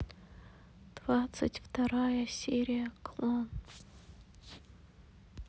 двадцать вторая серия клон